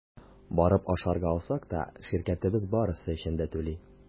Барып ашарга алсак та – ширкәтебез барысы өчен дә түли.